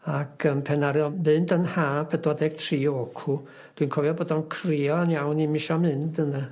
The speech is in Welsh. Ac yym pan aru o fynd yn ha pedwar deg tri o 'cw dwi'n cofio bod o'n crio yn iawn 'im isio mynd ynde?